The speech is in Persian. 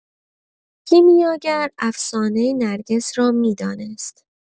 کیمیاگر افسانه نرگس را می‌دانست.